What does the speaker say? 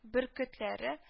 Бөркетләре